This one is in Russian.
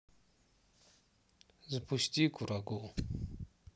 запусти курагу